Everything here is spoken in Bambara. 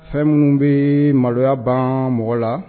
Fɛn minnu bɛ maloya ban mɔgɔ la